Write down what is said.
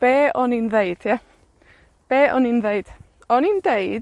Be' o'n i'n ddeud ie? Be' o'n i'n ddeud? O'n i'n deud